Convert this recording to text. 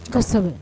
Ka sababu